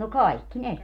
no kaikki ne